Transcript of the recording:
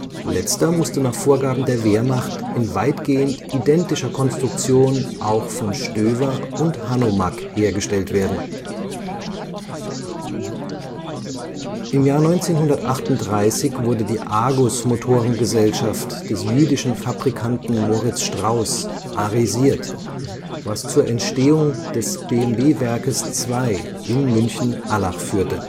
Letzter musste nach Vorgaben der Wehrmacht in weitgehend identischer Konstruktion auch von Stoewer und Hanomag hergestellt werden. Im Jahr 1938 wurde die Argus Motoren Gesellschaft des jüdischen Fabrikanten Moritz Straus „ arisiert “, was zur Entstehung des BMW-Werkes II in München-Allach führte